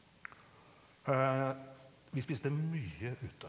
vi spiste mye ute.